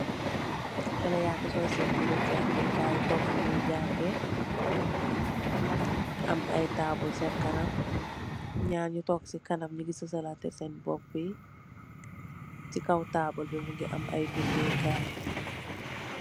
Haleh yangi sol seen yireee jàngeekaay tok funyi jangee am ay taabul seen kanam. Nyarr yu tok ci kanam nyungi sesalante seen boppa yi, ci kaw taabul bi mungi am ay binde kaay.